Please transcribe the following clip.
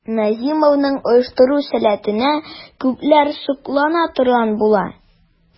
Низамовның оештыру сәләтенә күпләр соклана торган була.